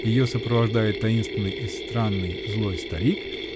ее сопровождает таинственный и странный, злой старик.